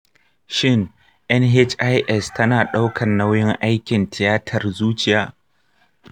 shin nhis tana ɗaukar nauyin aikin tiyatar zuciya?